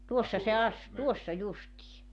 tuossa se - tuossa justiin